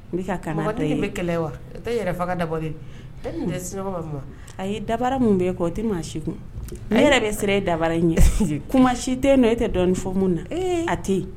N kɛlɛ wa a ye dara min bɛ si kun ne yɛrɛ bɛ sira dabarara in ye kuma si tɛ n e tɛ dɔn fɔ min na a tɛ